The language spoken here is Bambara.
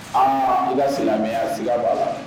Aa i ka sinamɛya sira b'a la